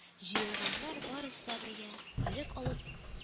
Җыелганнар барысы да бергә, койрык алып